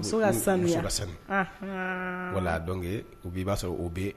Muso ka sanuya, muso ka sanu, anhan, voila donc u b'i b'a sɔrɔ o bɛ